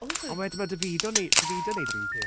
Also... A wedyn mae Davido wneu- Davide yn wneud yr un peth